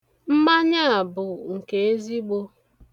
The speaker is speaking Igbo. Mmanya a bụ nke ezigbo.